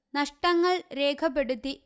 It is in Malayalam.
നഷ്ടങ്ങള് രേഖപ്പടുത്തി